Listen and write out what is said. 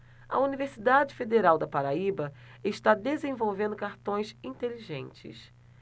a universidade federal da paraíba está desenvolvendo cartões inteligentes